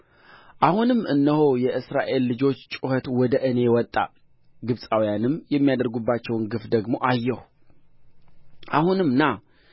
አሁንም እነሆ የእስራኤል ልጆች ጩኸት ወደ እኔ ወጣ ግብፃውያንም የሚያደርጉባቸውን ግፍ ደግሞ አየሁ አሁንም ና